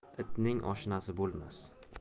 itning oshnasi bo'lmas